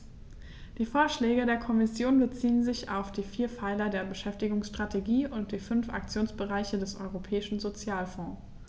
Die Vorschläge der Kommission beziehen sich auf die vier Pfeiler der Beschäftigungsstrategie und die fünf Aktionsbereiche des Europäischen Sozialfonds.